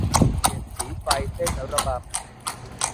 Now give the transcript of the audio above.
เปลี่ยนสีไฟเต้นระบำ